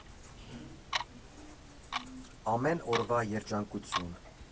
Ամեն օրվա երջանկություն։